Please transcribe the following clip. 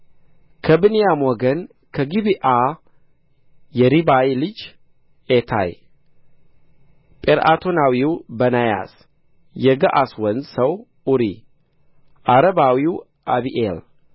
ከብንያም ወገን ከግብዓ የሪባይ ልጅ ኤታይ ጲርዓቶናዊው በናያስ የገዓስ ወንዝ ሰው ኡሪ ዓረባዊው አቢኤል